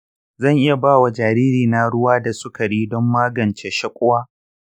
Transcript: zan iya ba wa jaririna ruwa da sukari don magance shaƙuwa?